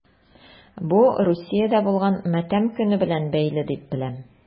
Бу Русиядә булган матәм көне белән бәйле дип беләм...